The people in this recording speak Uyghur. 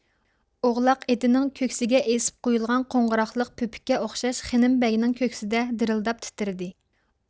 ئوغلاق ئېتىنىڭ كۆكسىگە ئېسىپ قويۇلغان قوڭغۇراقلىق پۆپۈككە ئوخشاش خېنىم بەگنىڭ كۆكسىدە دىرىلداپ تىترىدى